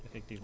effective